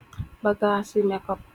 Bagaas si mekopp.